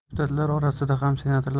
deputatlar orasida ham senatorlar